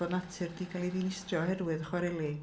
Bod natur 'di cael ei ddinistrio oherwydd chwareli.